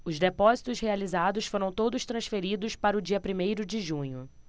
os depósitos realizados foram todos transferidos para o dia primeiro de junho